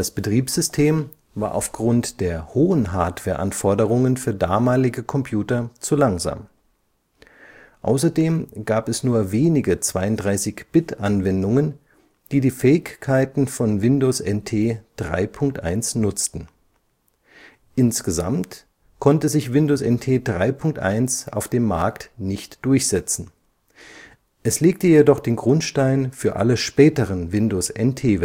Betriebssystem war aufgrund der hohen Hardwareanforderungen für damalige Computer zu langsam. Außerdem gab es nur wenige 32-Bit-Anwendungen, die die Fähigkeiten von Windows NT 3.1 nutzten. Insgesamt konnte sich Windows NT 3.1 auf dem Markt nicht durchsetzen, es legte jedoch den Grundstein für alle späteren Windows-NT-Versionen